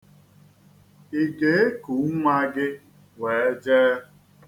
I ga-eku nnwa gị wee jee?